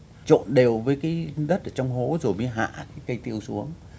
trộn đều với cái đất ở trong hố rồi mới hạ cái cây tiêu xuống